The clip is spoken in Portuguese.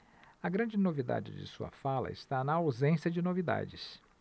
a grande novidade de sua fala está na ausência de novidades